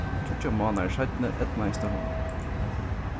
tríggjar mánaðir seinni eydnaðist tað honum